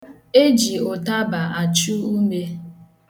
E ji ụtaba achụ ume.